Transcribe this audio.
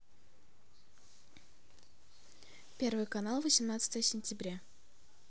первый канал восемнадцатое сентября